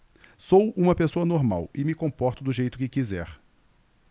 sou homossexual e me comporto do jeito que quiser